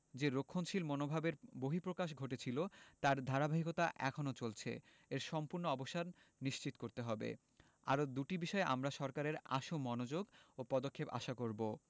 যে রক্ষণশীল মনোভাবের বহিঃপ্রকাশ ঘটেছিল তার ধারাবাহিকতা এখনো চলছে এর সম্পূর্ণ অবসান নিশ্চিত করতে হবে আরও দুটি বিষয়ে আমরা সরকারের আশু মনোযোগ ও পদক্ষেপ আশা করব